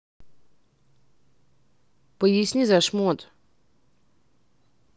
поясни за шмот